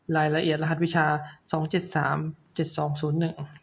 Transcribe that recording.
รายละเอียดรหัสวิชาสองเจ็ดสามเจ็ดสองศูนย์หนึ่ง